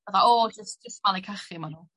Efo o jys jyst malu cachu ma' nw.